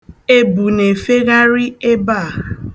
Ebu n'efegharị ebe a.